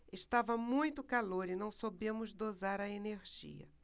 estava muito calor e não soubemos dosar a energia